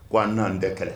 Ko an na n tɛ kɛlɛ